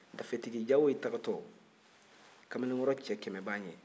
dafetigi jawoyi taatɔ kamalenkɔrɔ cɛ kɛmɛ b'a ɲɛ